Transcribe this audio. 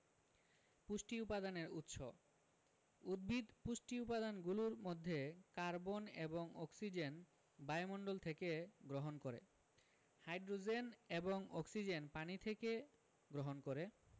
পুষ্টি উপাদানের উৎস উদ্ভিদ পুষ্টি উপাদানগুলোর মধ্যে কার্বন এবং অক্সিজেন বায়ুমণ্ডল থেকে গ্রহণ করে হাই্ড্রোজেন এবং অক্সিজেন পানি থেকে গ্রহণ করে